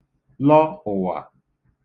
lọ ụ̀wà